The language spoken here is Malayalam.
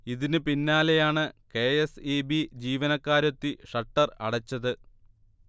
ഇതിന് പിന്നാലെയാണ് കെ. എസ്. ഇ. ബി. ജീവനക്കാരെത്തി ഷട്ടർ അടച്ചത്